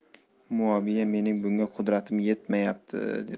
muoviya mening bunga qudratim yetmaydir debdi